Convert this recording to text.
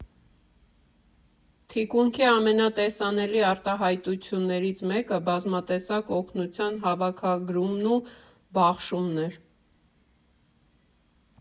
Թիկունքի ամենատեսանելի արտահայտումներից մեկը բազմատեսակ օգնության հավաքագրումն ու բաշխումն էր։